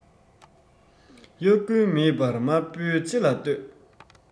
དབྱར དགུན མེད པར དམར པོའི ལྕེ ལ ལྟོས